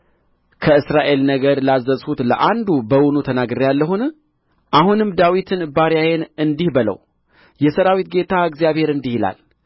ከእስራኤል ነገድ ላዘዝሁት ለአንዱ በውኑ ተናግሬአለሁን አሁንም ዳዊትን ባሪያዬን እንዲህ በለው የሠራዊት ጌታ እግዚአብሔር እንዲህ ይላል